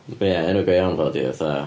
Ia, enw go iawn fo 'di fatha...